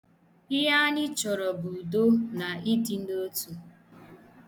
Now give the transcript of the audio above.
Ihe anyị chọrọ bụ udo na ịdịnotu.